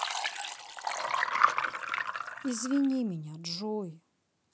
извини меня джой